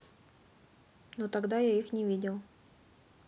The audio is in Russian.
ну тогда я их не видел